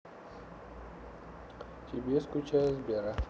тебе скучаю сбера